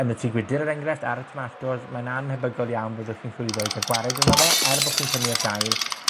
yn y tŷ gwydyr, er enghraifft, ar y tomatos, mae'n annhebygol iawn byddwch chi'n llwyddo i ca'l gwared arno fe, er bo' chi'n tynnu'r dail.